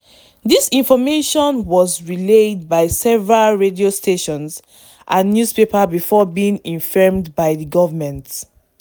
This information was relayed by several radio stations and newspapers before being infirmed by the government.